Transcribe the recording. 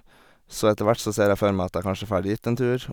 Så etter hvert så ser jeg for meg at jeg kanskje fær dit en tur.